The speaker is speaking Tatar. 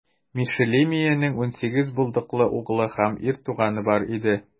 Мешелемиянең унсигез булдыклы углы һәм ир туганы бар иде.